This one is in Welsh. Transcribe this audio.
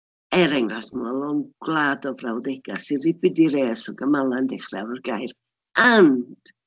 Er enghraifft, mae 'na lond gwlad o frawddegau sy'n ribidires o gymalau yn dechrau efo'r gair and.